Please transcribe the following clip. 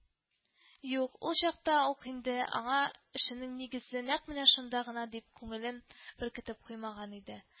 Юк, ул чакта ук инде яңа эшенең нигезе нәкъ менә шунда гына дип күңелен беркетеп куймаган иде